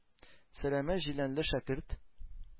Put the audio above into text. Сәләмә җиләнле шәкерт,